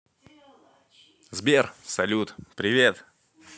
сбер салют привет